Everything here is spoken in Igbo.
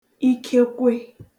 ikekwe